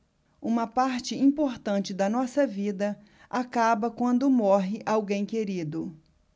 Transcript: uma parte importante da nossa vida acaba quando morre alguém querido